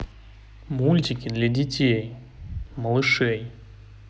мультики для детей малышей